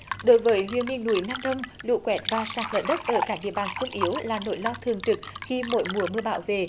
đối với huyện miền núi nam đông lũ quét và sạt lở đất ở các địa bàn xung yếu là nỗi lo thường trực khi mỗi mùa mưa bão về